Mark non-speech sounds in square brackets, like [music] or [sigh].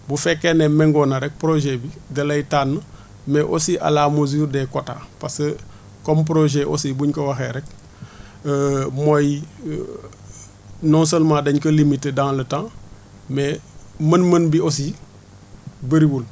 bu fekkee ne méngóo na rek projet bi da lay tànn mais aussi à la mesure des quotas parce que comme projet aussi bu ñu ko waxee rek [hesitation] mooy [hesitation] non seulement dañ ko limiter dans le temps mais mën-mën bi aussi bëriwul